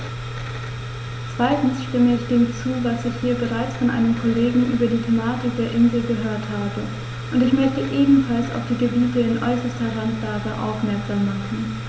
Zweitens stimme ich dem zu, was ich hier bereits von einem Kollegen über die Thematik der Inseln gehört habe, und ich möchte ebenfalls auf die Gebiete in äußerster Randlage aufmerksam machen.